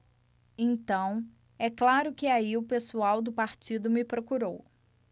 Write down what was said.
então é claro que aí o pessoal do partido me procurou